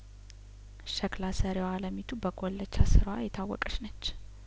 ሸክላ ሰሪዋ አለሚቱ በጉልቻ ስራዋ የታወቀችነች